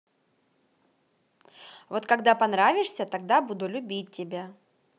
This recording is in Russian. вот когда понравишься тогда буду любить тебя